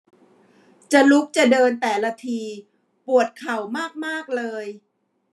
จะลุกจะเดินแต่ละทีปวดเข่ามากมากเลย